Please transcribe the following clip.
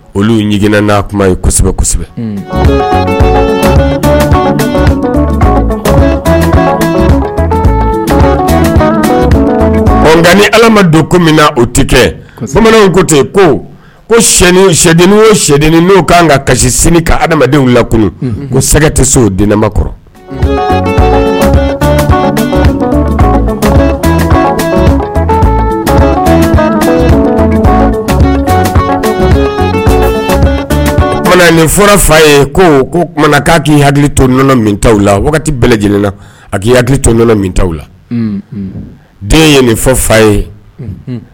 Olu jina n'a kuma ye kosɛbɛ kosɛbɛ ni ala ma don ko min na o tɛ kɛ bamananw ko ten yen ko koden o sɛdennin n'o kan ka kasi sini ka adama lakun ko sɛgɛ tɛ se o denɛnɛnba kɔrɔ nin fɔra fa ye koumana k' k'i hakili to nɔnɔ t' u la bɛɛ lajɛlenna a k'i hakili toɔnɔ min t' u la den ye nin fɔ fa ye ye